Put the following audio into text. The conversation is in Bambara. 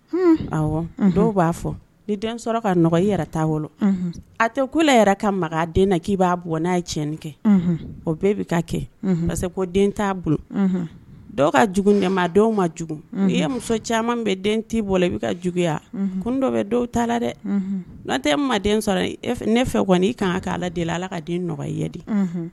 Dɔw b'a fɔ ni den sɔrɔ ia a tɛ ko ka den k'i b'a bɔ n'a yeɲɛn kɛ o bɛɛ bɛ ka kɛ ko den t'a bolo dɔw ka ɲɛ dɔw ma jugu i ye muso caman bɛ den t' bɔ i bɛ ka juguyaya ko n dɔ bɛ dɔw t'a la dɛ n'a tɛ maden sɔrɔ ne fɛ kɔni' kan ka deli la ala ka den ye de